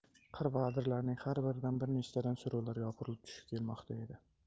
qir va adirlarning har biridan bir nechtadan suruvlar yopirilib tushib kelmoqda edi